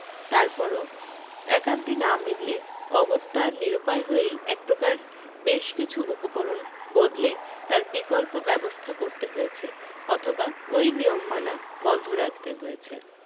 তার পরও একান্তি না মিললে অগত্যা নিরুপায় হয়েই এক প্রকার বেশ কিছু উপকরণ বদলে তার বিকল্প ব্যবস্থা করতে হয়েছে অথবা ওই নিয়ম মানা বন্ধ রাখতে হয়েছে